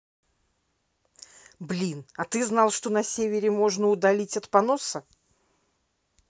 блин а ты знал что на севере можно удалить от поноса